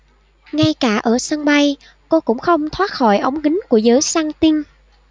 ngay cả ở sân bay cô cũng không thoát khỏi ống kính của giới săn tin